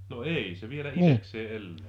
no ei se vielä itsekseen elää